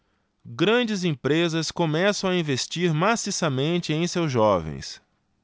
grandes empresas começam a investir maciçamente em seus jovens